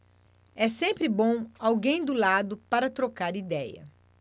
é sempre bom alguém do lado para trocar idéia